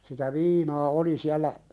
sitä viinaa oli siellä